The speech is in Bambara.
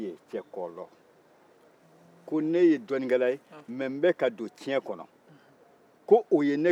ko ne ye dɔɔninkɛla ye mais n bɛ ka don ciyɛn kɔnɔ ko o ye ne kɛ mɔgɔ ba ye